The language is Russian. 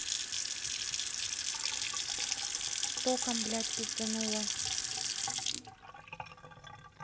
током блядь пиздануло